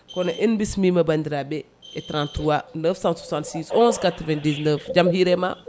kono en bismima bandiraɓe e 33 966 11 99 jam hiirema